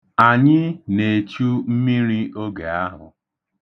Anyị na-echu mmiri oge ahụ.